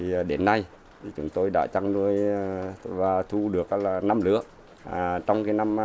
thì đến nay chúng tôi đã chăn nuôi và thu được là năm lứa à trong cái năm